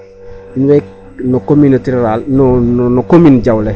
No communauté rurale no commune Diawlé .